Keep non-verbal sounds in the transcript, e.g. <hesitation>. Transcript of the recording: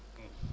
<hesitation> <hesitation>